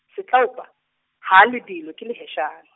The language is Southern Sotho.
Setlaopa, ha a lebelo ke leheshane.